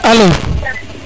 alo